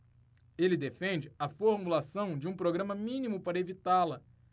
ele defende a formulação de um programa mínimo para evitá-la